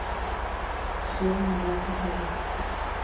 соло на бас гитаре